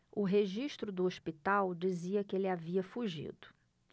o registro do hospital dizia que ele havia fugido